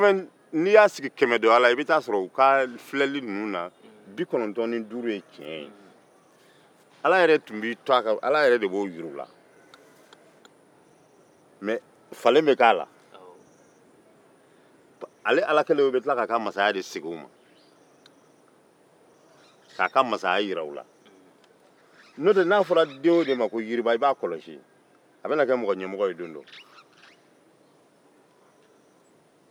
mɛ falen be kɛ a la ala kelen o bɛ tila k'a ka masaya de segin o ma k'a ka masaya jira u la n'o tɛ n'a fɔra den o den ma ko yiriba i b'a kɔlɔsi a bɛna kɛ mɔgɔjɛmɔgɔ ye don dɔ k'a fɔ dɔw ma ko dugutigi